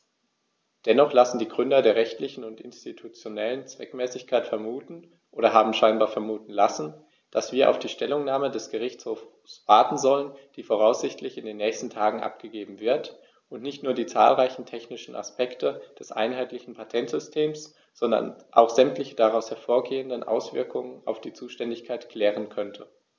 Dennoch lassen die Gründe der rechtlichen und institutionellen Zweckmäßigkeit vermuten, oder haben scheinbar vermuten lassen, dass wir auf die Stellungnahme des Gerichtshofs warten sollten, die voraussichtlich in den nächsten Tagen abgegeben wird und nicht nur die zahlreichen technischen Aspekte des einheitlichen Patentsystems, sondern auch sämtliche daraus hervorgehenden Auswirkungen auf die Zuständigkeit klären könnte.